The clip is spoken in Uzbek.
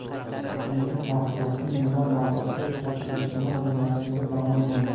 lekin mahsulotning nima maqsadda ishlatilishini bilmasligi ma'lum bo'ldi